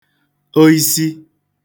oisi